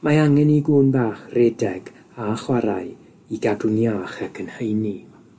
Mae angen ei gŵn bach redeg a chwarae i gadw'n iach ac yn heini.